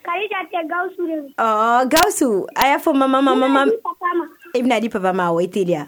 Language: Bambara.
Kadija tɛ Gawusu de don ɔɔ Gawusu a y'a fɔ Mama Mama Mam n bɛ n'a di papa ma i bɛna di papa ma awɔ i teliya